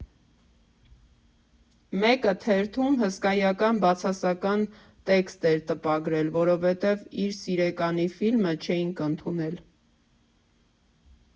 Մեկը թերթում հսկայական բացասական տեքստ էր տպագրել, որովհետև իր սիրեկանի ֆիլմը չէինք ընդունել։